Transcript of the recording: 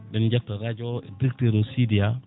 men jetto radio o e mbiyeteɗo Sidy Anne